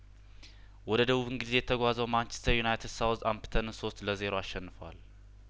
ወደ ደቡብ እንግሊዝ የተጓዘው ማንቸስተር ዩናይትድ ሳውዝ አምፕተንን ሶስት ለዜሮ አሸንፏል